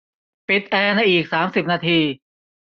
ปิดแอร์ในอีกสามสิบนาที